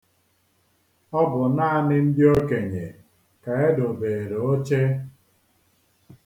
Ọ bụ naanị ndị okenye ka e dobeere oche.